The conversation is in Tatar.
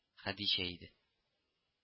— хәдичә иде